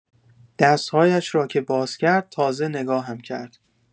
دست‌هایش را که باز کرد، تازه نگاهم کرد.